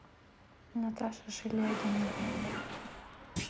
наташа шилягина